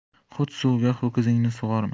hut suviga ho'kizingni sug'orma